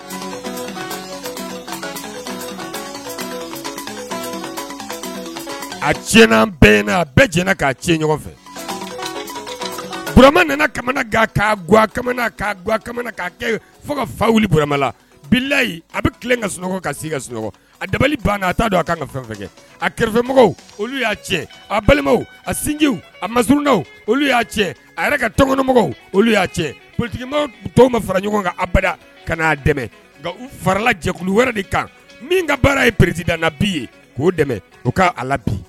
A ti a bɛɛ jɛnɛ k'a fɛurama nana kamana kɛ fo ka fayi a bɛ ka sunɔgɔ ka se ka sunɔgɔ a dabali ban taa don a kan ka fɛn fɛ a kɛrɛfɛmɔgɔw y'a cɛ a balima a sinjiw a masurunda olu y'a cɛ a yɛrɛ ka tɔnkɔnɔmɔgɔw olu y'a cɛ ptigimaw tɔw ma fara ɲɔgɔn ka a ka a dɛmɛ faralajɛkulu wɛrɛ de kan min ka baara ye peretite dan bi ye k'o dɛmɛ ua la bi